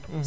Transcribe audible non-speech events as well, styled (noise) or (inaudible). (hesitation) (hesitation)